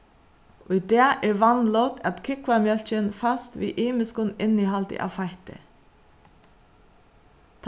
í dag er vanligt at kúgvamjólkin fæst við ymiskum innihaldi av feitti